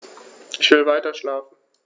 Ich will weiterschlafen.